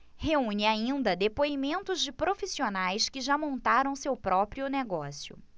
reúne ainda depoimentos de profissionais que já montaram seu próprio negócio